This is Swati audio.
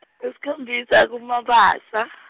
sikhombisa kuMabasa.